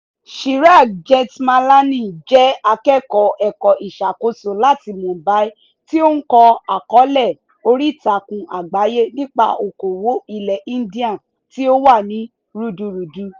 Chirag Jethmalani jẹ́ akẹ́kọ̀ọ́ ẹ̀kọ́ ìṣàkóso láti Mumbai tí ó ń kọ àkọọ́lẹ̀ oríìtakùn àgbáyé nípa òkòwò ilẹ̀ India tí ó wà ní Rúdurùdu.